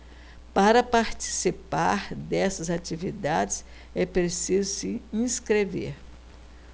para participar dessas atividades é preciso se inscrever